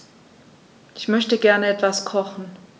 Ich möchte gerne etwas kochen.